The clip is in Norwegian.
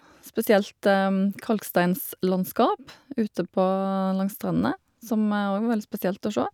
Spesielt kalksteinslandskap ute på langs strendene, som òg var veldig spesielt å sjå.